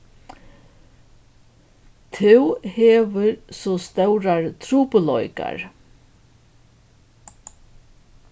tú hevur so stórar trupulleikar